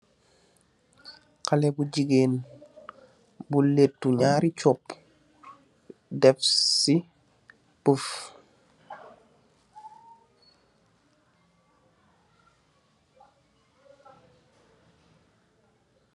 Haleh bu gigain bu lehtu njaari chupp, deff cii puff.